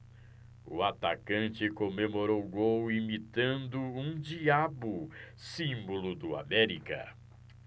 o atacante comemorou o gol imitando um diabo símbolo do américa